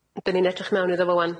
'Den ni'n edrych mewn iddo fo ŵan.